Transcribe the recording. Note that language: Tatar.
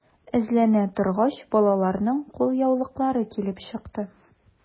Эзләнә торгач, балаларның кулъяулыклары килеп чыкты.